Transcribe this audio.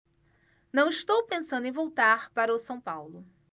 não estou pensando em voltar para o são paulo